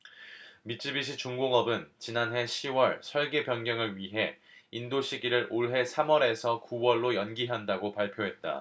미쓰비시 중공업은 지난해 시 월 설계 변경을 위해 인도시기를 올해 삼 월에서 구 월로 연기한다고 발표했다